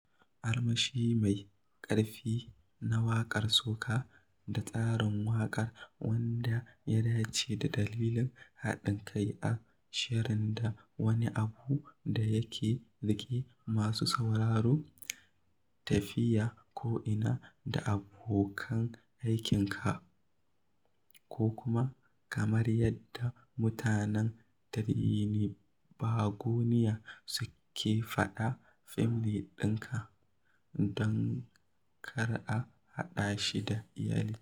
armashi mai "ƙarfi na waƙar soca" da tsarin waƙar wanda ya dace da dalilin haɗin kai a shirin da wani abu da yake riƙe masu sauraro - tafiya ko'ina da abokan aikinka, ko kuma kamar yadda mutanen Tirinbagoniya suke faɗa, "famalay" ɗinka (don kar a haɗa shi da "iyali"):